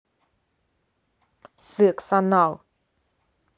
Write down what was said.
секс анал